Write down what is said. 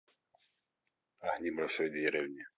огни большой деревни